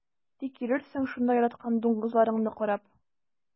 Тик йөрерсең шунда яраткан дуңгызларыңны карап.